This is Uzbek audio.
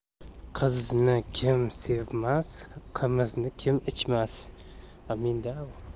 qizni kim sevmas qimizni kim ichmas